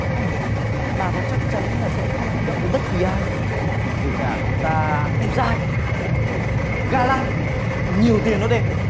ừm bà có chắc chắn là sẽ không rung động với bất kỳ ai kể cả hắn ta đẹp dai ga lăng nhiều tiền luôn đê